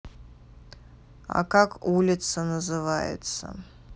а как улица называется